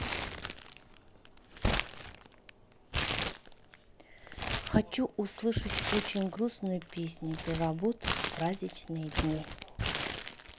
хочу услышать очень грустную песню про работу в праздничные дни